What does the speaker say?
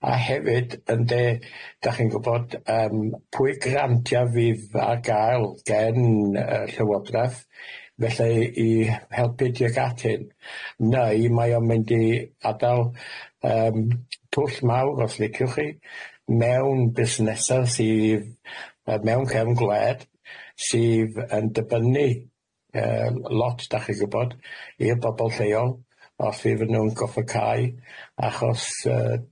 a hefyd ynde dach chi'n gwbod yym pwy grantia fydd ar ga'l gen yy llywodrath felly i helpu tuag at hyn neu mae o'n mynd i adael yym twll mawr os liciwch chi mewn busnesa sydd yy mewn cefn gwled sydd yn dibynnu yy lot dach chi'n gwbod i'r bobol lleol os fydd ynw'n gorfod cau achos yy